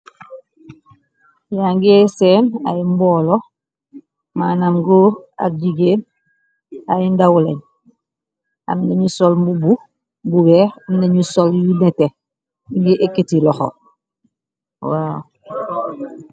Yaa ngi seen ay mboolo , maanam goor ar jigéen ay ndawulañ, amnañu sol mubbu bu weex, amna ñu sol yu nete gu ekkiti loxo wa.